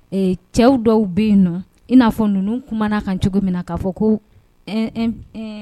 Ee cɛw dɔw bɛ yen nɔ in n'a fɔ ninnu kuma kan cogo min na k'a fɔ ko